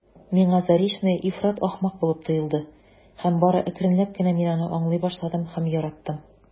Миңа Заречная ифрат ахмак булып тоелды һәм бары әкренләп кенә мин аны аңлый башладым һәм яраттым.